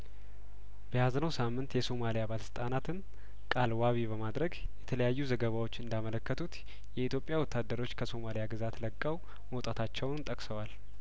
በያዝነው ሳምንት የሶማሊያ ባለስልጣናትን ቃል ዋቢ በማድረግ የተለያዩ ዘገባዎች እንዳመለከቱት የኢትዮጵያ ወታደሮች ከሶማሊያ ግዛት ለቀው መውጣታቸውን ጠቅሰዋል